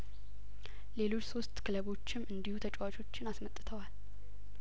ሌሎች ሶስት ክለቦችም እንዲሁ ተጫዋቾችን አስመጥተዋል